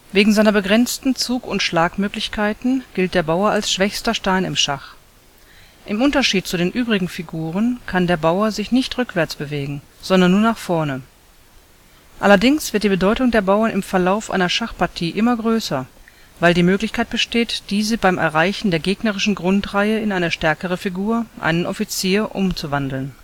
Wegen seiner begrenzten Zug - und Schlagmöglichkeiten gilt der Bauer als schwächster Stein im Schach. Im Unterschied zu den übrigen Figuren kann der Bauer sich nicht rückwärts bewegen, sondern nur nach vorne. Allerdings wird die Bedeutung der Bauern im Verlauf einer Schachpartie immer größer, weil die Möglichkeit besteht, diese beim Erreichen der gegnerischen Grundreihe in eine stärkere Figur, einen Offizier, umzuwandeln